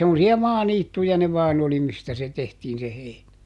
semmoisia maaniittyjä ne vain oli mistä se tehtiin se heinä